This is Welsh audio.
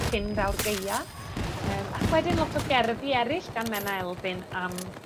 Cyn Ddawr Gaea. Yym ac wedyn lot o gerddi eryll gan Menna Elfyn am